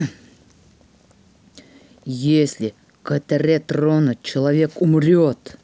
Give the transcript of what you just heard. если катере тронуть человек умрет